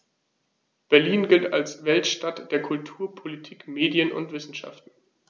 Berlin gilt als Weltstadt der Kultur, Politik, Medien und Wissenschaften.